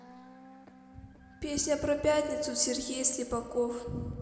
песня про пятницу сергей слепаков